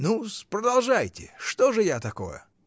Ну-с, продолжайте, что же я такое?